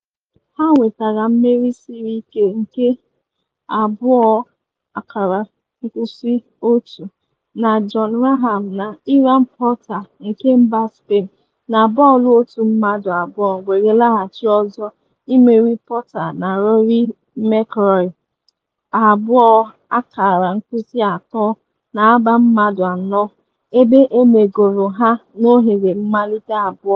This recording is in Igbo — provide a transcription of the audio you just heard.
Ha nwetara mmeri siri ike nke 2&1 na Jon Rahm na Ian Poulter nke mba Spain na bọọlụ otu mmadụ abụọ were laghachi ọzọ imeri Poulter na Rory Mcllroy 4&3 na agba mmadụ anọ, ebe emerigoro ha n’oghere mmalite abụọ.